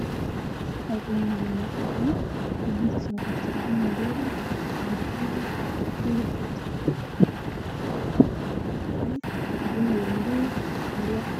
Halkan waxaa yaalo welal ay ku jiraan iyo qaloon